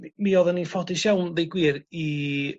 mi oddan ni'n ffodus iawn deu gwir i